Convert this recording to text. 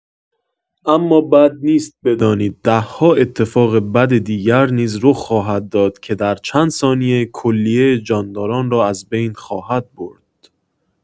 اما بد نیست بدانید ده‌ها اتفاق بد دیگر نیز رخ خواهد داد که در چند ثانیه کلیه جانداران را از بین خواهد برد.